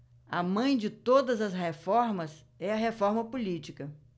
a mãe de todas as reformas é a reforma política